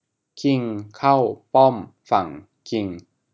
คิงเข้าป้อมฝั่งคิง